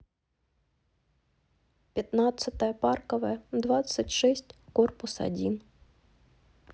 пятнадцатая парковая двадцать шесть корпус один